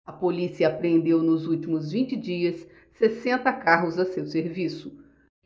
a polícia apreendeu nos últimos vinte dias sessenta carros a seu serviço